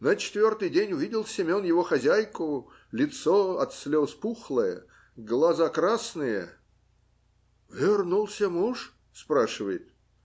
На четвертый день увидел Семен его хозяйку: лицо от слез пухлое, глаза красные. - Вернулся муж? - спрашивает.